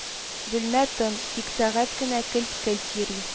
Бүлмә тын, тик сәгать кенә келт-келт йөри